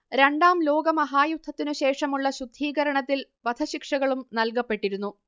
രണ്ടാം ലോക മഹായുദ്ധത്തിനു ശേഷമുള്ള ശുദ്ധീകരണത്തിൽ വധശിക്ഷകളും നൽകപ്പെട്ടിരുന്നു